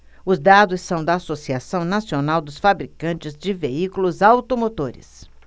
os dados são da anfavea associação nacional dos fabricantes de veículos automotores